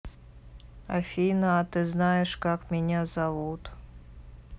афина а ты знаешь как меня зовут